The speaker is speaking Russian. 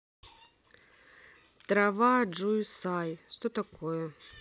трава джусай что такое